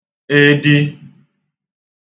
edi